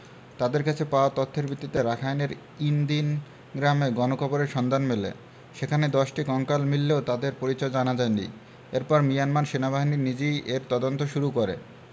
তাঁদের কাছে পাওয়া তথ্যের ভিত্তিতে রাখাইনের ইন দিন গ্রামে গণকবরের সন্ধান মেলে সেখানে ১০টি কঙ্কাল মিললেও তাদের পরিচয় জানা যায়নি এরপর মিয়ানমার সেনাবাহিনী নিজেই এর তদন্ত শুরু করে